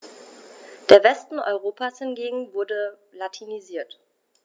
Der Westen Europas hingegen wurde latinisiert.